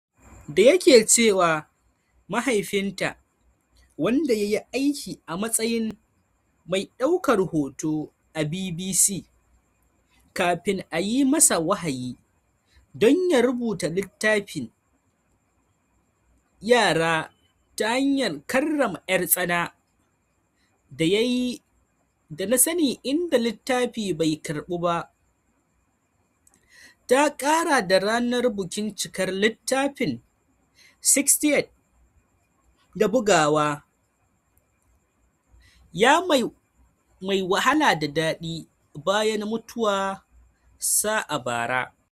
Da yake cewa mahaifinta, wanda ya yi aiki a matsayin mai daukar hoto a BBC kafin a yi masa wahayi don ya rubuta littafin yara ta hanyar karrama ‘yar tsana, da yayi da na sani inda littafin bai karbu ba, ta kara da ranar bukin cikar littafin 60th da bugawa ya "mai wahala da dadi" bayan mutuwa sa a bara.